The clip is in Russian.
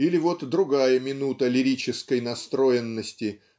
Или вот другая минута лирической настроенности